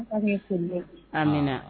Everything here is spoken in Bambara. Aw ni foli a minɛ